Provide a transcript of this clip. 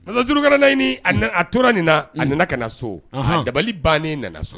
Zjurukkara naɲini a tora nin na a nana ka na so dabali bannen nana so